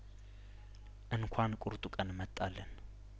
እንኳን ቁርጡ ቀን መጣልን